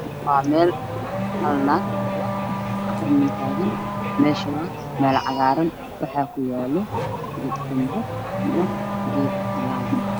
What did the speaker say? Waa meel hal naag iyo afar nin taagan meeshu waa meel cagaaran waxaa ku yaalo geed qunbo iyo geed talaal ah